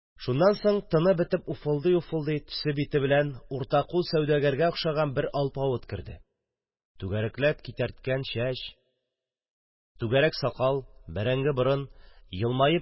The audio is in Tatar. Шуннан соң, тыны бетеп уфылдый-уфылдый, төсе-бите белән уртакул сәүдәгәргә охшаган бер алпавыт керде: түгәрәкләп китәрткән чәч, түгәрәк сакал, бәрәңге борын, елмаеп